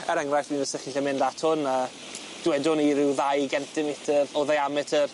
Er enghraifft, mi fysech ch chi 'llu mynd at hwn a dywedwn ni ryw ddau gentimeter o ddiameter.